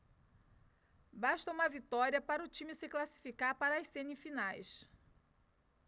basta uma vitória para o time se classificar para as semifinais